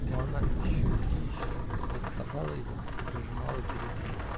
но она еще и еще благословляла его и прижимала к груди.